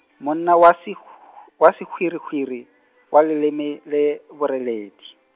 monna wa si- , wa sehwirihwiri, wa leleme le boreledi.